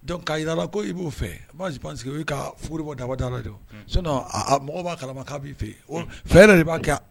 Dɔnku ka jira la ko i b'o fɛ b'a pan sigi u ka furu bɔ dabadara de don so mɔgɔ b'a kalama k' b'i fɛ yen fɛ yɛrɛ de b'a kɛ